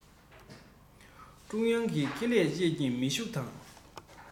ཀྲུང དབྱང གི ཁེ ལས བཅས ཀྱིས མི ཤུགས དང